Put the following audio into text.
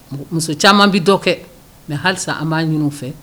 Muso caman bɛ dɔ kɛ mɛ halisa an b'a ɲini fɛ